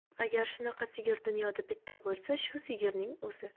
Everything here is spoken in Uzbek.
agar shunaqa sigir dunyoda bitta bo'lsa shu sigirning o'zi